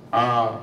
A